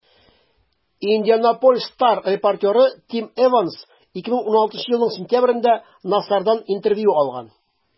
«индианаполис стар» репортеры тим эванс 2016 елның сентябрендә нассардан интервью алган.